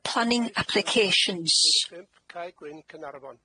planning applications.